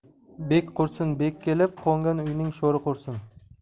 bek qursin bek kelib qo'ngan uyning sho'ri qurisin